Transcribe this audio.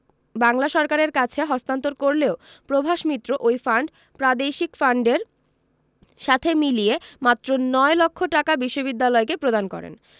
বাংলা সরকারের কাছে হস্তান্তর করলেও প্রভাস মিত্র ওই ফান্ড প্রাদেশিক ফান্ডেলর সাথে মিলিয়ে মাত্র নয় লক্ষ টাকা বিশ্ববিদ্যালয়কে প্রদান করেন